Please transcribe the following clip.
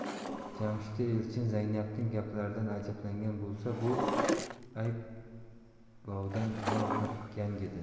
jamshidda elchin zaynabning gaplaridan ajablangan bo'lsa bu ayblovdan tamom gangidi